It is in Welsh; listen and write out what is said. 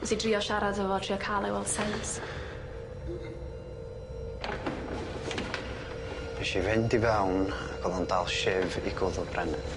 Nes i drio siarad efo fo trio ca'l e i wel' sense. Nesh i fynd i fewn ac o'dd o'n dal shiv i gwddw Brennan.